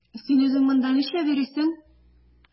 Син үзең монда нишләп йөрисең?